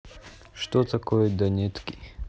что такое данетки